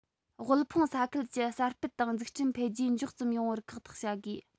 དབུལ ཕོངས ས ཁུལ གྱི གསར སྤེལ དང འཛུགས སྐྲུན འཕེལ རྒྱས མགྱོགས ཙམ ཡོང བར ཁག ཐེག བྱ དགོས